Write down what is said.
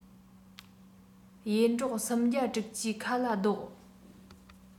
ཡེ འབྲོག སུམ བརྒྱ དྲུག ཅུའི ཁ ལ བཟློག